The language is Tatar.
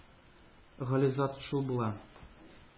Гали зат шул була...